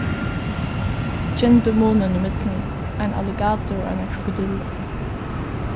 kennir tú munin millum ein alligator og eina krokodillu